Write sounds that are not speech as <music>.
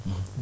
<hesitation> <hesitation>